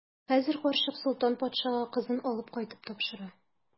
Хәзер карчык Солтан патшага кызын алып кайтып тапшыра.